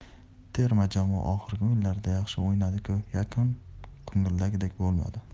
terma jamoa oxirgi o'yinlarda yaxshi o'ynadi ku yakun ko'ngildagidek bo'lmadi